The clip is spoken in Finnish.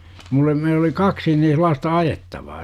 minulla oli meillä oli kaksi niin sellaista ajettavaa